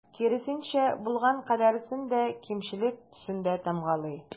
Киресенчә, булган кадәресен дә кимчелек төсендә тамгалый.